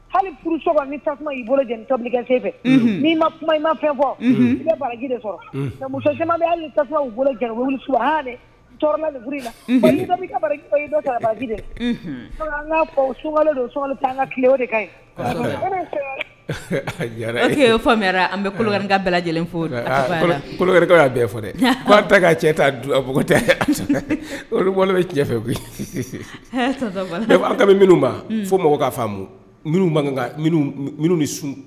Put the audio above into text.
Hali so nikɛ fɛn fɛ ni ma kuma i ma fɛn fɔ baraji de sɔrɔ muso bolo dɛ don ka tile ka an bɛ kolo bɛɛ lajɛlen fokaw bɛɛ fɔ dɛ' bɛɛ ka cɛ a ne bɛ cɛ fɛ minnu fo mɔgɔ ka faamu minnu minnu ni sun